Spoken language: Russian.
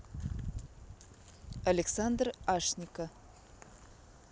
александр ashnikko